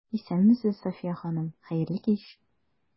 Исәнмесез, Сафия ханым, хәерле кич!